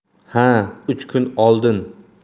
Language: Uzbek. ha uch kun oldin